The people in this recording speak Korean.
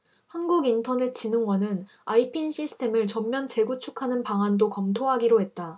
한국인터넷진흥원은 아이핀 시스템을 전면 재구축하는 방안도 검토하기로 했다